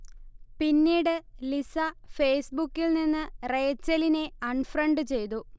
പിന്നീട് ലിസ ഫേസ്ബുക്കിൽനിന്ന് റേച്ചലിനെ അൺഫ്രണ്ട് ചെയ്തു